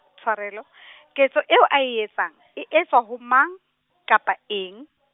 tshwarelo , ketso eo ae etsang, e etswa ho mang, kapa eng.